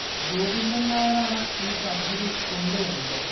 ഗോവിന്ദൻ നായർ ആണ് ഈ പദ്ധതി കൊണ്ടുവന്നത്